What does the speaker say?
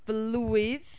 flwydd?